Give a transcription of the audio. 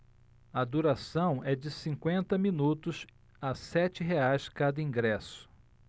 a duração é de cinquenta minutos a sete reais cada ingresso